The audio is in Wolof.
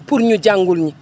pour ñu jàngul ñi